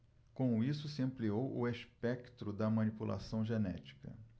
com isso se ampliou o espectro da manipulação genética